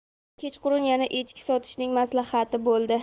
kechqurun yana echki sotishning maslahati bo'ldi